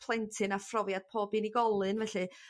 plentyn a phrofiad pob unigolyn felly